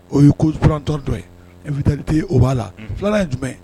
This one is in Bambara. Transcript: O yeurantɔ dɔ nfitali tɛ yen o b'a la fila ye jumɛn